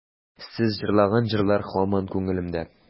Сез җырлаган җырлар һаман күңелемдә.